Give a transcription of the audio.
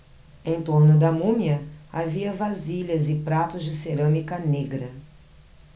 em torno da múmia havia vasilhas e pratos de cerâmica negra